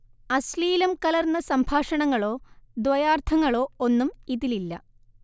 അശ്ലീലം കലർന്ന സംഭാഷങ്ങളോ ദ്വയാർത്ഥങ്ങളോ ഒന്നും ഇതിലില്ല